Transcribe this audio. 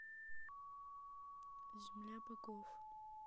земля богов